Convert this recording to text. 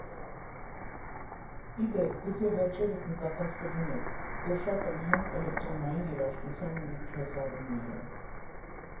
Ի դեպ, գուցե վերջերս նկատած կլինեք, որ շատ են հենց էլեկտրոնային երաժշտության միջոցառումները։